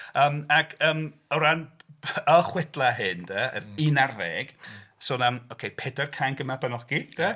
Yym ac yym o ran y chwedlau hyn de, yr un ar ddeg sôn am, ocê, Pedair Cainc Y Mabiniogi. Ia?